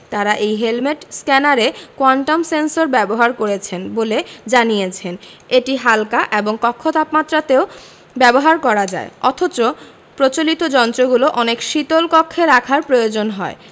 তারা এই হেলমেট স্ক্যানারে কোয়ান্টাম সেন্সর ব্যবহার করেছেন বলে জানিয়েছেন এটি হাল্কা এবং কক্ষ তাপমাত্রাতেও ব্যবহার করা যায় অথচ প্রচলিত যন্ত্রগুলো অনেক শীতল কক্ষে রাখার প্রয়োজন হয়